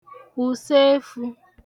ùseefū